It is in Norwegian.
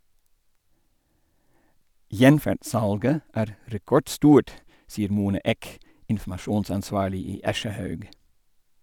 "Gjenferd-salget" er rekordstort, sier Mona Ek, informasjonsansvarlig i Aschehoug.